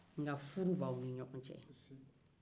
nka furu b'aw ni ɲɔgɔn cɛ